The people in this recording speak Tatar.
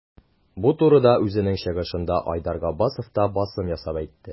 Бу турыда үзенең чыгышында Айдар Габбасов та басым ясап әйтте.